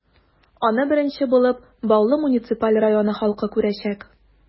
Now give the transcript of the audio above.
Аны беренче булып, Баулы муниципаль районы халкы күрәчәк.